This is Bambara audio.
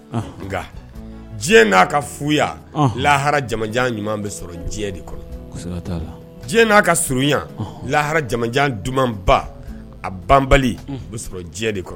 Nka diɲɛ n'a ka fuya laharajajan ɲuman bɛ sɔrɔ diɲɛ de kɔrɔ diɲɛ n'a kaurunya laharajajan dumanba a banbali bɛ sɔrɔ diɲɛ de kɔrɔ